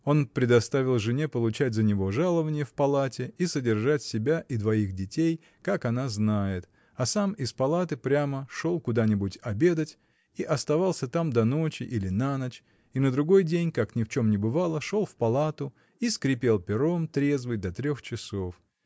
Он предоставил жене получать за него жалованье в палате и содержать себя и двоих детей, как она знает, а сам из палаты прямо шел куда-нибудь обедать и оставался там до ночи или на ночь и на другой день, как ни в чем не бывало, шел в палату и скрипел пером, трезвый, до трех часов.